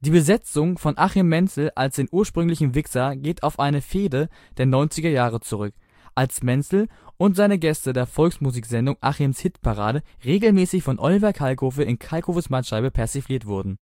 Besetzung von Achim Mentzel als den ursprünglichen Wixxer geht auf eine Fehde der neunziger Jahre zurück, als Mentzel und seine Gäste der Volksmusiksendung Achims Hitparade regelmäßig von Oliver Kalkofe in Kalkofes Mattscheibe persifliert wurden